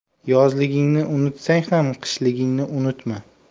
yozligingni unutsang ham qishligingni unutma